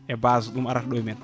et base ɗum arata ɗo e men